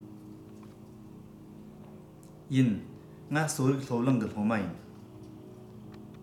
ཡིན ང གསོ རིག སློབ གླིང གི སློབ མ ཡིན